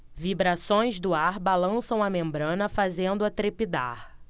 vibrações do ar balançam a membrana fazendo-a trepidar